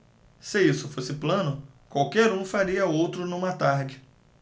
se isso fosse plano qualquer um faria outro numa tarde